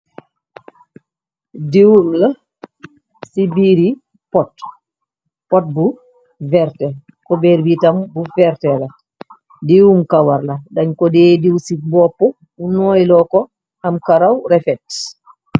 Diiwum la ci biiri pot bu verté ko beer biitam bu vertéle diiwum kawarla dañ ko dee diiw ci bopp bu nooyloo ko am karaw refet.